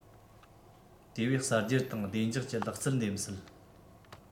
དེ བས གསར སྒྱུར དང བདེ འཇགས ཀྱི ལག རྩལ འདེམས སྲིད